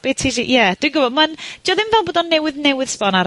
...be' ti isie, ie, dwi gwbod. Ma'n, 'di o ddim fel bod o'n newydd, newydd sbon, ar y...